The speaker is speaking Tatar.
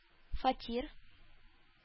Фатир